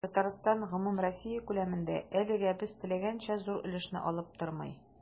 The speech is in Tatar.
Татарстан гомумроссия күләмендә, әлегә без теләгәнчә, зур өлешне алып тормый.